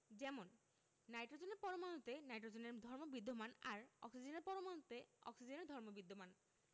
যেমন নাইট্রোজেনের পরমাণুতে নাইট্রোজেনের ধর্ম বিদ্যমান আর অক্সিজেনের পরমাণুতে অক্সিজেনের ধর্ম বিদ্যমান